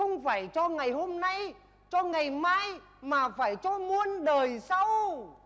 không phải cho ngày hôm nay cho ngày mai mà phải cho muôn đời sau